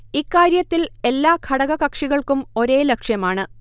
ഇക്കാര്യത്തിൽ എല്ലാ ഘടക കക്ഷികൾക്കും ഒരേ ലക്ഷ്യമാണ്